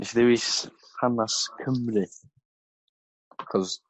Neshi ddewis hanas Cymru achos